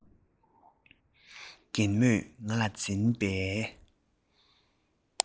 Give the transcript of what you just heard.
རྒན མོས ང ལ འཛིན པའི